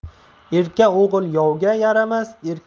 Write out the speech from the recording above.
erka o'g'il yovga